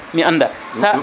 mi anda sa